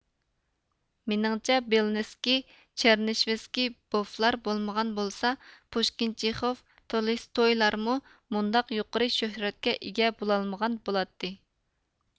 مېنىڭچە بىلنىسكى چىرنېشۋسكى بوفلار بولمىغان بولسا پۇشكىنچىخوف تولستويلارمۇ مۇنداق يۇقىرى شۆھرەتكە ئىگە بولالمىغان بولاتتى